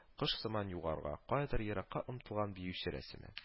Кош сыман югарыга, каядыр еракка омтылган биюче рәсеме